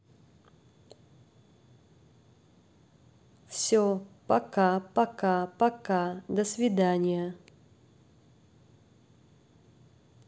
все пока пока пока до свидания